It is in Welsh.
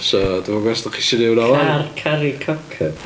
So dwi'm yn gwbod os dach chi isio wneud hwnna 'wan?... Car caru cock up.